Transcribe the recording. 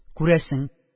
Күрәсең